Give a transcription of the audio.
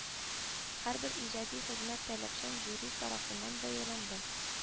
Һәрбер иҗади хезмәт таләпчән жюри тарафыннан бәяләнде